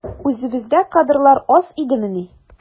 Үзебездә кадрлар аз идемени?